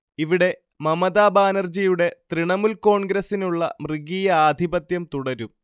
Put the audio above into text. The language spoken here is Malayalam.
ഇവിടെ മമ്ത ബാനർജിയുടെ തൃണമൂൽ കോൺഗ്രസിനുള്ള മൃഗീയ ആധിപത്യം തുടരും